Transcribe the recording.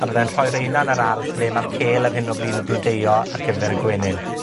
A byddai'n rhoi reina yn yr ardd, le ma'r cêl ar hyn o bry' 'n blodeuo ar gyfer y gwenyn.